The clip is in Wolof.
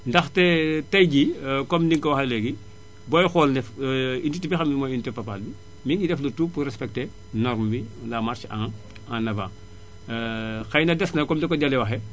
ndaxte tay jii comme ni nga ko waxee léegi booy xool unité bi nga xam ne mooy unité Fapal bi mi ngi def le tout pour respecter norme bi la marche en en avant xëy na des na comme ko Jalle waxee